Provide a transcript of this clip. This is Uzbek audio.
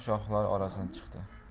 shoxlari orasidan chiqdi